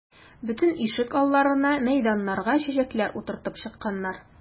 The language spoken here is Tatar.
Бөтен ишек алларына, мәйданнарга чәчәкләр утыртып чыкканнар.